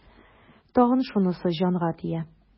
Тагын шунысы җанга тия.